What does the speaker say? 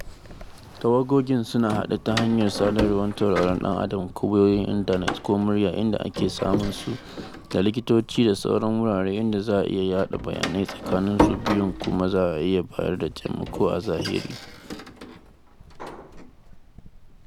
Tawagogin suna haɗe ta hanyar sadarwar tauraron dan-Adam ko wayoyin intanet ko murya (inda ake samun su) da likitoci a sauran wurare, inda za a iya yaɗa bayanai tsakanin su biyun kuma za a iya bayar da taimako a zahiri.